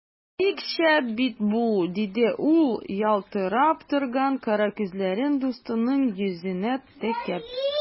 Бик шәп бит бу! - диде ул, ялтырап торган кара күзләрен дустының йөзенә текәп.